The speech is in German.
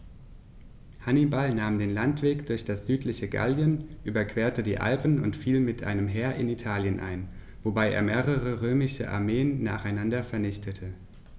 Hannibal nahm den Landweg durch das südliche Gallien, überquerte die Alpen und fiel mit einem Heer in Italien ein, wobei er mehrere römische Armeen nacheinander vernichtete.